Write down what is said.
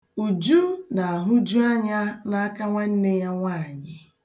Uju na-ahụju anya n'aka nwanne ya nwaanyị.